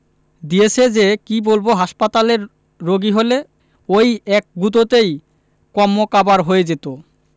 দিয়েছে যে কি বলব হাসপাতালের রোগী হলে ঐ এক গুঁতোতেই কন্মকাবার হয়ে যেত